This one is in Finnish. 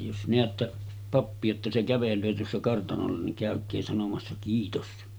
jos näette pappia jotta se kävelee tuossa kartanolla niin käykää sanomassa kiitos